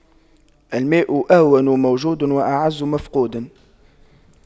الماء أهون موجود وأعز مفقود